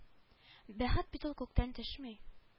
Бәхет бит ул күктән төшми